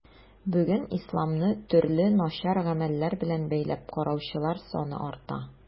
Бүген исламны төрле начар гамәлләр белән бәйләп караучылар саны арта.